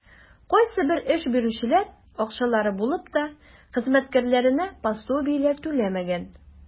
Кайсыбер эш бирүчеләр, акчалары булып та, хезмәткәрләренә пособиеләр түләмәгән.